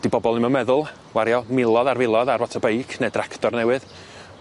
'Di bobol ddim yn meddwl wario milodd ar filodd ar foto beic ne' tractor newydd.